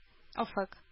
Офык